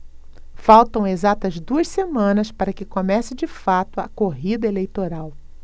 faltam exatas duas semanas para que comece de fato a corrida eleitoral